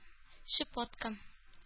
Щепотка